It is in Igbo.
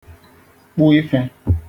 kpụ ife